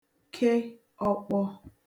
ke ọ̀kpọ